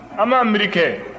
an b'an biri kɛ